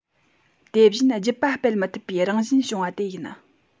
དེ བཞིན རྒྱུད པ སྤེལ མི ཐུབ པའི རང བཞིན བྱུང བ དེ ཡིན